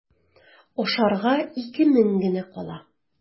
Ашарга ике мең генә кала.